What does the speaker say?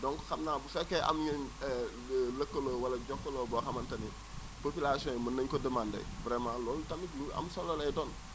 donc xam naa bu fekkee am ngeen lëkkaloo wala jokkaloo boo xamante ni population yi mën nañu ko demandé vraiment loolu tamit lu am solo lay doon